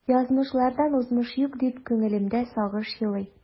Язмышлардан узмыш юк, дип күңелемдә сагыш елый.